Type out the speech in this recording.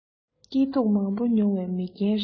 སྐྱིད སྡུག མང པོ མྱོང བའི མི རྒན རེད